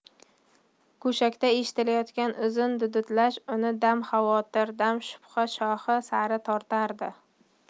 go'shakda eshitilayotgan uzun du dudlash uni dam xavotir dam shubha chohi sari tortardi